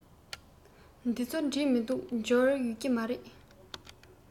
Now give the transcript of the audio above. དེ ཚོ བྲིས མི འདུག འབྱོར ཡོད ཀྱི མ རེད